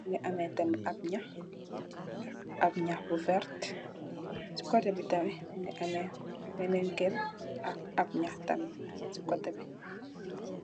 mungy ameh tamit ahb njahh, ahb njahh bu vertue, cii coteh bii tamit mungy ameh benen kerr ak ahb njahh tamit, cii coteh bii.